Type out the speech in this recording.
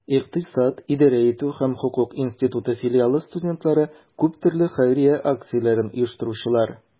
Икътисад, идарә итү һәм хокук институты филиалы студентлары - күп төрле хәйрия акцияләрен оештыручылар.